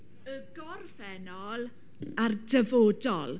Y gorffennol a'r dyfodol.